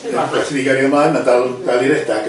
Yym waeth i ni gario mlaen ma'n dal dal i redag yndi?